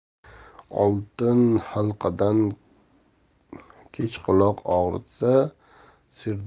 oltin halqadan kech quloq og'ritsa